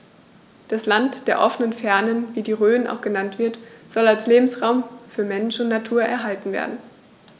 Das „Land der offenen Fernen“, wie die Rhön auch genannt wird, soll als Lebensraum für Mensch und Natur erhalten werden.